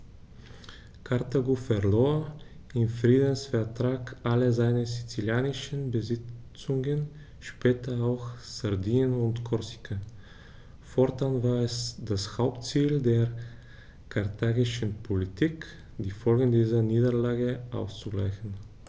Karthago verlor im Friedensvertrag alle seine sizilischen Besitzungen (später auch Sardinien und Korsika); fortan war es das Hauptziel der karthagischen Politik, die Folgen dieser Niederlage auszugleichen.